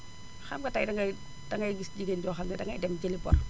xam nga tey dangay dangay gis jigéen joo xam ne dangay dem jëli bor